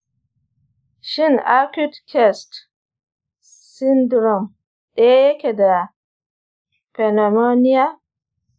shin acute chest syndrome ɗaya yake da pneumonia?